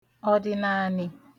ọdịnàànị̀